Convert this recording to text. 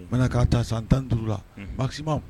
N k'a taa san tan duuruuru la bakima